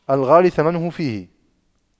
الغالي ثمنه فيه